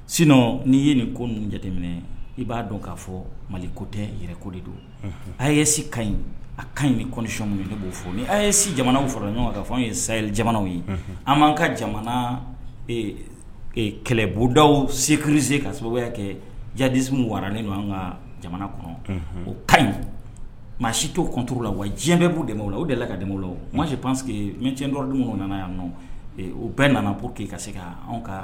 S'i ye nin ko ninnu jateminɛ i b'a dɔn k'a fɔ mali ko tɛ yɛrɛ ko de don a ye si ka ɲi a ka ɲi ni kɔnsi ne b'o fɔ ye si jamana fara ɲɔgɔn kan ka fɔ anw ye sa jamanaw ye an'an ka jamana kɛlɛbonda sekge ka sababuya kɛ jadimu wara ni ɲɔgɔn an ka jamana kɔnɔ o ka ɲi maa si' kantotu la wa diɲɛ bɛ' dɛmɛ la o deli la ka d la u ma se panseke ɲɔc dɔ dun ninnu nana yan o bɛɛ nana bɔ k' ka se ka anw kan